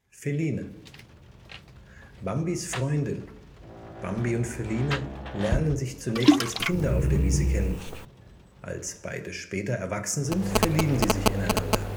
Feline (Faline) Bambis Freundin. Bambi und Feline lernen sich zunächst als Kinder auf der Wiese kennen. Als beide später erwachsen sind, verlieben sie sich ineinander